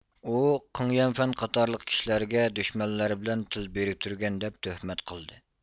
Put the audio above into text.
ئۇ قېڭيەنفەن قاتارلىق كىشلەرگە دۈشمەنلەر بىلەن تىل بىرىكتۈرگەن دەپ تۆھمەت قىلدى